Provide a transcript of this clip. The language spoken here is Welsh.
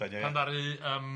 ...ddaru yym.